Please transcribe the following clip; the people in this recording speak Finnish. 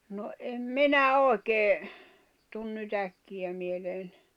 no en minä oikein tule nyt äkkiä mieleen